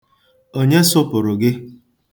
Onye sụpụrụ gị?